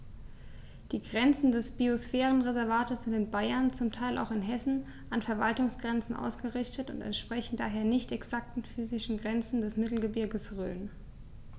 Die Grenzen des Biosphärenreservates sind in Bayern, zum Teil auch in Hessen, an Verwaltungsgrenzen ausgerichtet und entsprechen daher nicht exakten physischen Grenzen des Mittelgebirges Rhön.